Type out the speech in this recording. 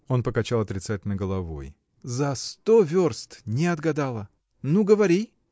Он покачал отрицательно головой. — За сто верст — не отгадала. — Ну, говори!